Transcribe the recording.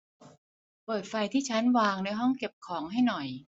เปิดไฟที่ชั้นวางในห้องเก็บของให้หน่อย